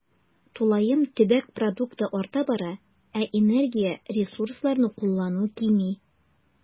Тулаем төбәк продукты арта бара, ә энергия, ресурсларны куллану кими.